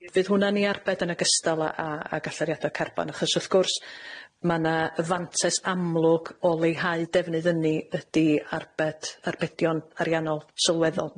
fydd hwnna'n ei arbed yn ogystal â a- ag allariadau carbon achos wrth gwrs ma' 'na fantais amlwg o leihau defnydd ynni ydi arbed arbedion ariannol sylweddol.